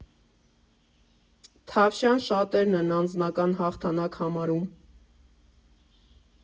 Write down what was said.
Թավշյան շատերն են անձնական հաղթանակ համարում.